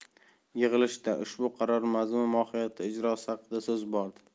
yig'ilishda ushbu qaror mazmun mohiyati ijrosi haqida so'z bordi